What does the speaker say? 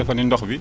dafa ne ndox wi